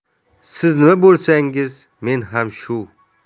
siz nima bo'lsangiz men ham shu